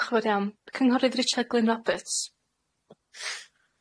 Diolch yn fawr iawn. Cynghorydd Richard Glyn Roberts.